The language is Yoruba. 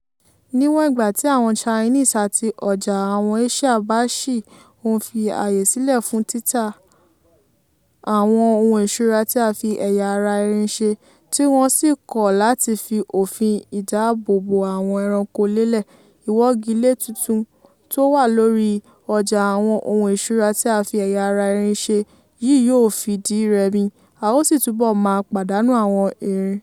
Níwọ̀n ìgbà tí àwọn Chinese àti ọjà àwọn Asian bá ṣì ń fi aàyè sílẹ̀ fún títa àwọn ohun ìṣura tí a fi ẹ̀yà ara erin ṣe, tí wọ́n sì kọ̀ láti fi ofin ìdábò bo àwọn ẹranko lélẹ̀, ìwọ́gilé tuntun tó wà lórí ọjà àwọn ohun ìṣura tí a fi ẹ̀yà ara erin ṣe yìí yóò fìdí rẹmi, a ó sì túbọ̀ máa pàdánu àwọn erin.